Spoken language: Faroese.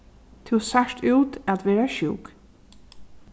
tú sært út at vera sjúk